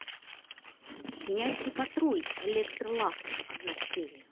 щенячий патруль электролапы одна серия